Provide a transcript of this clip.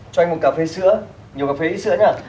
cho anh một cà phê sữa nhiều cà phê ít sữa nhá